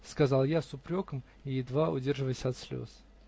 -- сказал я с упреком и едва удерживаясь от слез.